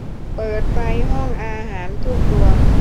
เปิดไฟห้องอาหารทุกดวง